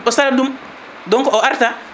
o saarat ɗum donc o arta